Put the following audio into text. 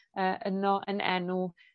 yy yno yn enw